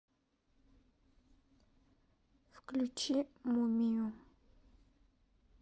включи мумию